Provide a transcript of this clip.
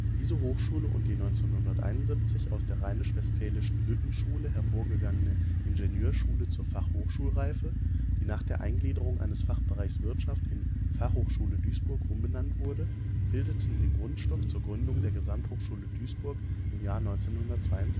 Diese Hochschule und die 1971 aus der rheinisch-westfälischen " Hüttenschule " hervorgegangene " Ingenieurschule zur Fachhochschulreife ", die nach Eingliederung eines Fachbereichs Wirtschaft in " Fachhochschule Duisburg " umbenannt wurde, bildeten den Grundstock zur Gründung der " Gesamthochschule Duisburg " im Jahre 1972